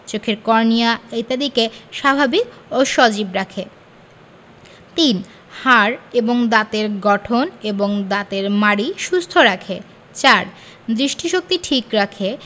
চোখের কর্নিয়া ইত্যাদিকে স্বাভাবিক ও সজীব রাখে ৩. হাড় এবং দাঁতের গঠন এবং দাঁতের মাড়ি সুস্থ রাখে ৪. দৃষ্টিশক্তি ঠিক রাখে